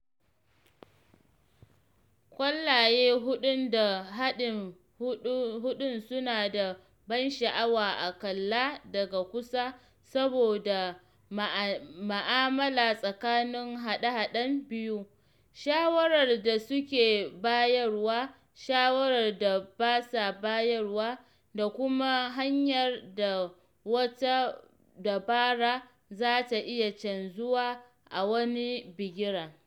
Ƙwallaye huɗun da haɗin huɗun suna da ban sha’awa a kalla daga kusa saboda ma’amala tsakanin haɗe-haɗen biyu, shawarar da suke bayarwa, shawarar da ba sa bayarwa da kuma hanyar da wata dabara za ta iya canjuwa a wani bigiren.